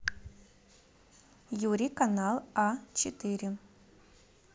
юрий канал а четыре